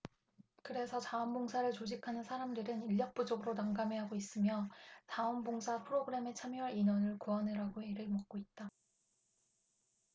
그래서 자원 봉사를 조직하는 사람들은 인력 부족으로 난감해하고 있으며 자원 봉사 프로그램에 참여할 인원을 구하느라고 애를 먹고 있다